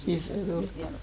niin se oli